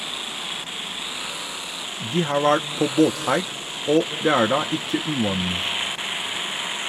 De har vært på båthaik, og det er da ikke uvanlig.